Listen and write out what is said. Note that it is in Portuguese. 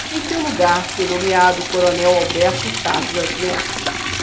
em seu lugar foi nomeado o coronel alberto tarjas neto